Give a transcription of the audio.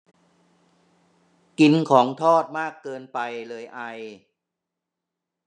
กินของทอดมากเกินไปเลยไอ